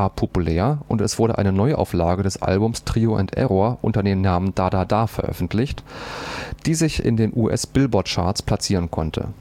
populär, und es wurde eine Neuauflage des Albums „ Trio And Error “unter dem Namen „ Da Da Da “veröffentlicht, die sich in den US-Billboard-Charts platzieren konnte